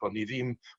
bod ni ddim